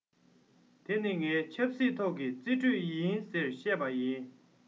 དེ ནི ངའི ཆབ སྲིད ཐོག གི རྩིས སྤྲོད ཡིན ཟེར བཤད པ ཡིན